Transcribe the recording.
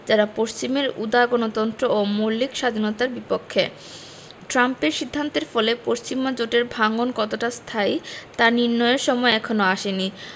যারা পশ্চিমের উদার গণতন্ত্র ও মৌলিক স্বাধীনতার বিপক্ষে ট্রাম্পের সিদ্ধান্তের ফলে পশ্চিমা জোটের ভাঙন কতটা স্থায়ী তা নির্ণয়ের সময় এখনো আসেনি